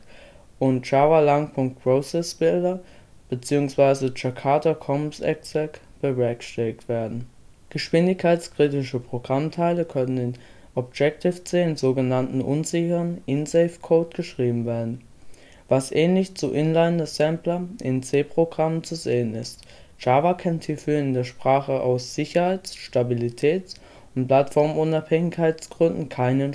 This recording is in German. und java.lang. ProcessBuilder beziehungsweise Jakarta Commons Exec bewerkstelligt werden. Geschwindigkeitskritische Programmteile können in C# in so genanntem unsicheren unsafe code geschrieben werden, was ähnlich zu Inline-Assembler in C-Programmen zu sehen ist. Java kennt hierfür in der Sprache aus Sicherheits -, Stabilitäts - und Plattformunabhängigkeitsgründen keine